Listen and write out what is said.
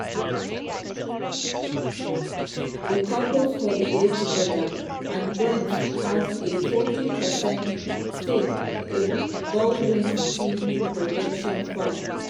The couples holiday together and Jones has a 40 per cent stake in Baldwin's TV production firm.